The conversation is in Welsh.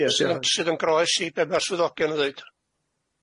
Ie. Sydd yn sydd yn groes i be' ma' swyddogion yn ddeud.